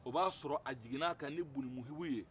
o b'a sɔrɔ a jiginn'a kan ni bulimuhibu ye